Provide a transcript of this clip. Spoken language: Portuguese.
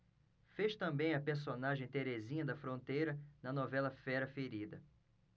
fez também a personagem terezinha da fronteira na novela fera ferida